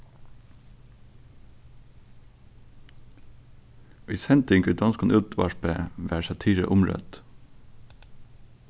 í sending í donskum útvarpi varð satira umrødd